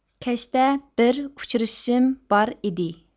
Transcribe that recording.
كەچتە بىر ئۇچرىشىشىم بار ئىدى